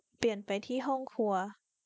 เปลี่ยนไปที่ห้องครัว